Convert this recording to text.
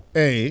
eeyi